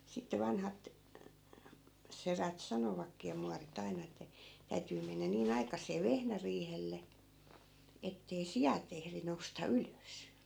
sitten vanhat sedät sanovatkin ja muorit aina että täytyy mennä niin aikaiseen vehnäriihelle että ei siat ehdi nousta ylös